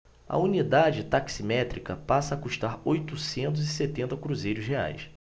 a unidade taximétrica passa a custar oitocentos e setenta cruzeiros reais